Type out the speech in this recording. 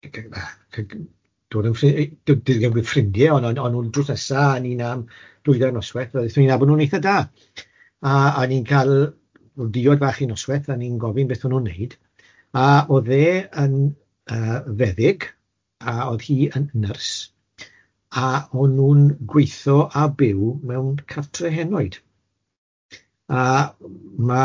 g- g- dod yn ffrin- yy dim dod yn ffrindie ond o'n o'n nw'n drws nesa a ni am dwy dair noswaith a dethon ni i nabod nw'n itha da a o'n i'n ca'l diod fach un nosweth a o'n i'n gofyn beth o'n nw'n neud a o'dd e yn yy feddyg a o'dd hi yn nyrs a o'n nw'n gwitho a byw mewn cartref henoed a ma'